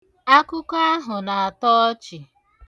Akụkọ ahụ na-atọ ọchị.